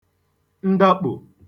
ndakpò